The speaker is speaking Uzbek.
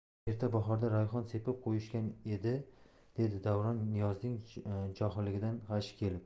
erta bahorda rayhon sepib qo'yishgan edi dedi davron niyozning johilligidan g'ashi kelib